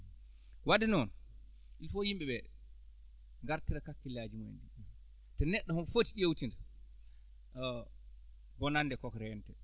wadde noon il faut yimɓe ɓee ngartira kakkillaaji mumen te neɗɗo homo foti ƴewtindo bonnande koko reenetee